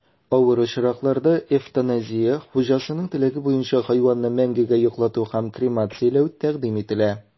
Авыр очракларда эвтаназия (хуҗасының теләге буенча хайванны мәңгегә йоклату һәм кремацияләү) тәкъдим ителә.